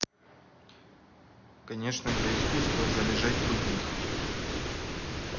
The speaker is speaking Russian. конечно это искусство залежать других